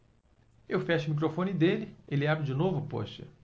eu fecho o microfone dele ele abre de novo poxa